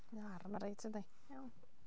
Mae o ar ma' raid tydi? Iawn?